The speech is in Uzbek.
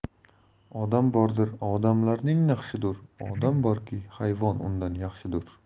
odam bordir odamlarning naqshidur odam bordir hayvon undan yaxshidur